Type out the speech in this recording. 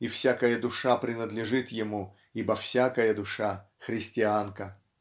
и всякая душа принадлежит ему ибо "всякая душа христианка".